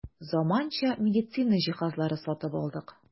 Заманча медицина җиһазлары сатып алдык.